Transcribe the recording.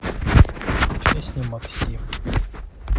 песни максим